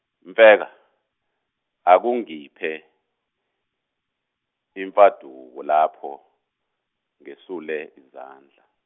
Mfeka, akungiphe, imfaduko lapho, ngesule izandla.